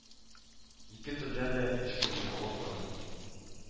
Ике телдә дә эчке монолог бар